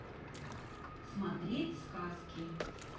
смотреть сказки